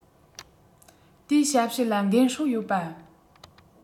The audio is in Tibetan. དེའི ཞབས ཞུ ལ འགན སྲུང ཡོད པ